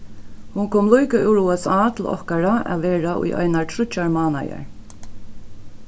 hon kom líka úr usa til okkara at vera í einar tríggjar mánaðar